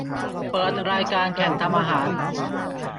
เปิดรายการแข่งทำอาหาร